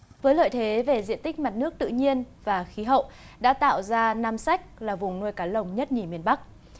với lợi thế về diện tích mặt nước tự nhiên và khí hậu đã tạo ra nam sách là vùng nuôi cá lồng nhất nhì miền bắc